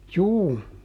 juu